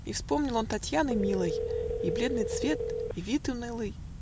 И вспомнил он Татьяны милой И бледный цвет и вид унылый